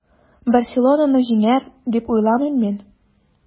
“барселона”ны җиңәр, дип уйламыйм мин.